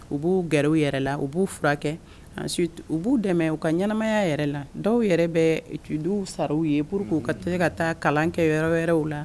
U b'u gɛrɛw yɛrɛ la u b'u furakɛ u b'u dɛmɛ u ka ɲɛnɛmaya yɛrɛ la dɔw yɛrɛ bɛ du sara u ye p walasaur que ka tɛ se ka taa kalan kɛ wɛrɛ wɛrɛw la